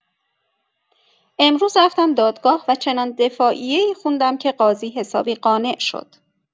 امروز رفتم دادگاه و چنان دفاعیه‌ای خوندم که قاضی حسابی قانع شد.